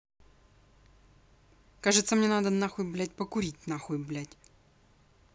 кажется мне надо нахуй блядь покурить нахуй блядь